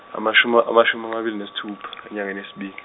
amashumi amashumi amabili nesithupha, enyangeni yesibili.